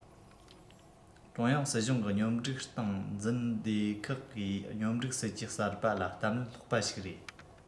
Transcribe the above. ཀྲུང དབྱང སྲིད གཞུང གི སྙོམས སྒྲིག སྟངས འཛིན སྡེ ཁག གིས སྙོམས སྒྲིག སྲིད ཇུས གསར པ ལ གཏམ ལན སློག པ ཞིག རེད